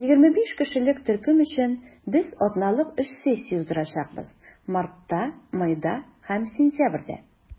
25 кешелек төркем өчен без атналык өч сессия уздырачакбыз - мартта, майда һәм сентябрьдә.